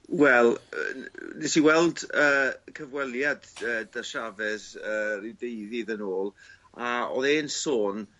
Wel yy nes i weld yy cyfweliad yy 'dy Chaves yy ryw ddeuddydd yn ôl a o'dd e'n sôn